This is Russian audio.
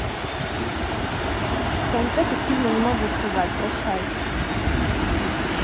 саундтрек из фильма не могу сказать прощай